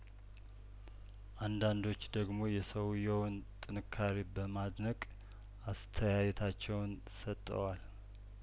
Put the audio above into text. አንዳንዶች ደግሞ የሰውዬውን ጥንካሬ በማድነቅ አስተያየታቸውን ሰጠዋል